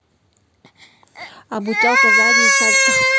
обучалка заднее сальто